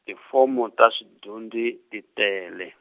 tifomo ta swidyondzi ti tele.